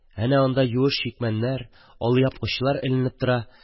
Әнә анда юеш чикмәннәр, алъяпкычлар эленеп тора